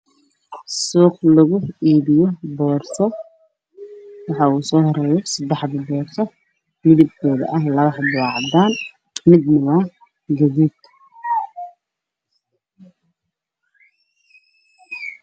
Suuq lagu iibiyo boorso